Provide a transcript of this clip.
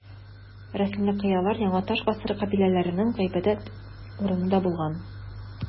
Рәсемле кыялар яңа таш гасыры кабиләләренең гыйбадәт урыны да булган.